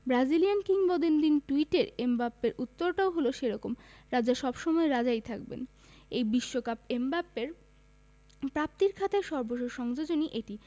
Brazilian কিংবদন্তির টুইটের এমবাপ্পের উত্তরটাও হলো সে রকম রাজা সব সময় রাজাই থাকবেন এই বিশ্বকাপ এমবাপ্পের প্রাপ্তির খাতায় সর্বশেষ সংযোজনই এটি